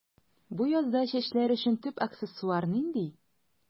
Бу язда чәчләр өчен төп аксессуар нинди?